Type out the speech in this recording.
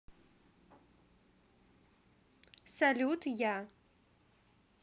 salut я